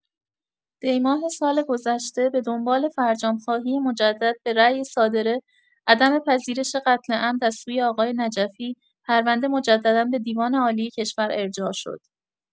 دی‌ماه سال‌گذشته، به دنبال فرجام‌خواهی مجدد به رای صادره، عدم پذیرش قتل عمد از سوی آقای نجفی، پرونده مجددا به دیوان عالی کشور ارجاع شد.